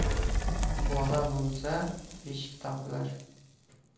bola bo'lsa beshik topilar